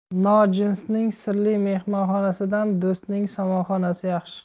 nojinsning sirli mehmonxonasidan do'stingning somonxonasi yaxshi